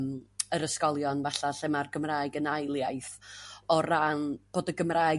yr ysgolion 'falla' lle ma'r Gymraeg yn ail iaith o ran bod y Gymraeg